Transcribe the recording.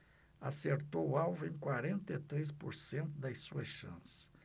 acertou o alvo em quarenta e três por cento das suas chances